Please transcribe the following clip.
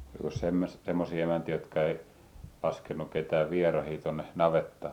olikos - semmoisia emäntiä jotka ei laskenut ketään vieraita tuonne navettaan